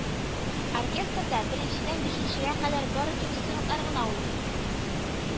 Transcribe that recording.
Оркестрда беренчедән бишенчегә кадәр бары тик студентлар гына уйный